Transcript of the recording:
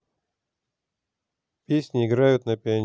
песни играют на пианино